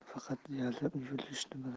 faqat yulishni biladi